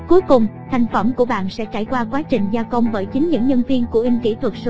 cuối cùng thành phẩm của bạn sẽ trải qua quá trình gia công bởi chính những nhân viên của inkythuatso